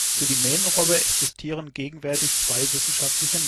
Für die Mähnenrobbe existieren gegenwärtig zwei wissenschaftliche